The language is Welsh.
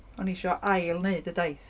O'n i isio ail-wneud y daith.